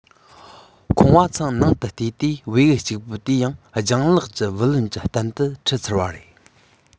ཁོས བ ཚང ནང དུ ལྟ དུས བེའུ གཅིག པུ དེ ཡང ལྗད ལགས ཀྱིས བུ ལོན གྱི རྟེན དུ ཁྲིད ཚར བ རེད